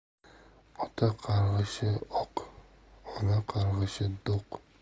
ota qarg'ishi o'q ona qarg'ishi do'q